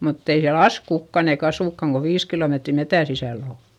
mutta ei siellä asu kukaan eikä asukaan kun viisi kilometriä metsän sisällä on